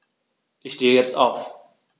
Ich stehe jetzt auf.